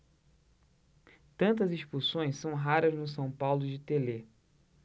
tantas expulsões são raras no são paulo de telê